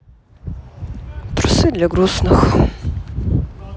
трусы для грустных